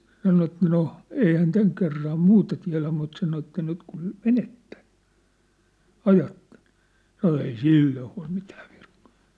se sanoi että no ei hän tämän kerran muuta tiedä mutta sanoi että nyt kun menette ajatte sanoi ei silloin huoli mitään virkkaa